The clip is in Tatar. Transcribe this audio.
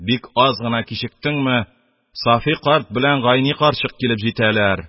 Бик аз гына кичектеңме Сафый карт белән Гайни карчык килеп җитәләр